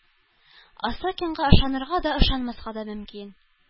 Осокинга ышанырга да, ышанмаска да мөмкин.